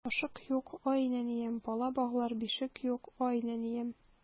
Кашык юк, ай нәнием, Бала баглар бишек юк, ай нәнием.